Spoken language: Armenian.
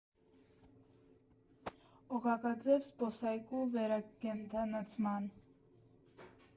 Օղակաձև զբոսայգու վերակենդանացման։